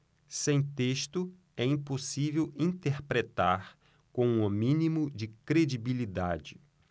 sem texto é impossível interpretar com o mínimo de credibilidade